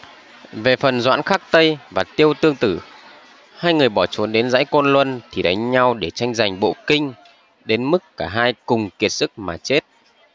về phần doãn khắc tây và tiêu tương tử hai người bỏ trốn đến dãy côn luân thì đánh nhau để tranh giành bộ kinh đến mức cả hai cùng kiệt sức mà chết